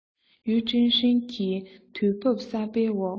ཡུས ཀྲེང ཧྲེང གིས དུས བབ གསར པའི འོག